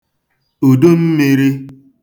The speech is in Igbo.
ùdummīrī